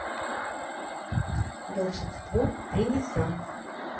волшебство ренессанс